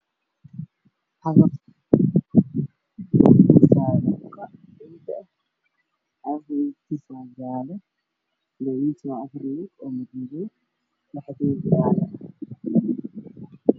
Derbi hadda la dhisayo derbigaas waxaad hoos yaalla jingado jajaban